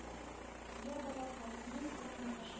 Йә балакай уен корып маташма